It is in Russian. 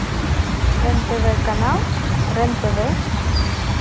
рен тв канал рен тв